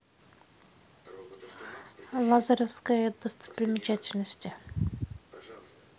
лазаревское достопримечательности